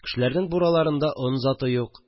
Кешеләрнең бураларында он заты юк